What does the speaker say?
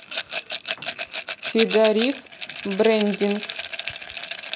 федорив брендинг